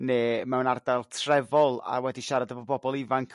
ne' mewn ardal trefol a wedi siarad efo bobol ifanc